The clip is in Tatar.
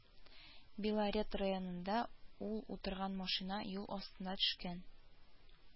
Белорет районында ул утырган машина юл астына төшкән